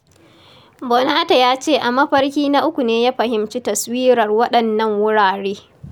Bonatah ya ce a mafarki na uku ne ya fahimci taswirar waɗannan wurare.